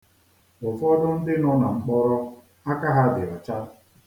Ụfọdụ ndị nọ na mkpọrọ, aka ha dị ọcha.